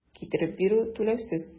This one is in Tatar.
Китереп бирү - түләүсез.